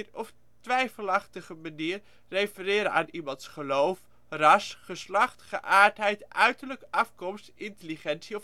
of twijfelachtige manier refereren aan iemands: geloof ras geslacht geaardheid uiterlijk afkomst intelligentie